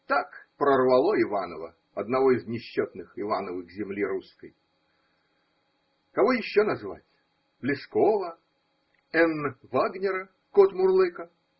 – Так, прорвало Иванова, одного из несчетных Ивановых земли русской. Кого еще назвать? Лескова? Н. Вагнера (КотМурлыка)?